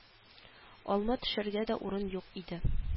Алма төшәргә дә урын юк иде